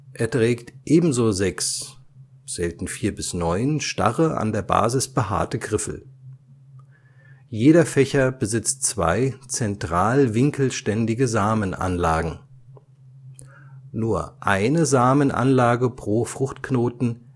Er trägt ebenso sechs (selten vier bis neun) starre, an der Basis behaarte Griffel. Jeder Fächer besitzt zwei zentralwinkelständige Samenanlagen. Nur eine Samenanlage pro Fruchtknoten